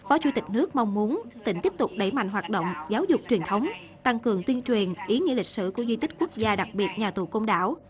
phó chủ tịch nước mong muốn tỉnh tiếp tục đẩy mạnh hoạt động giáo dục truyền thống tăng cường tuyên truyền ý nghĩa lịch sử của di tích quốc gia đặc biệt nhà tù côn đảo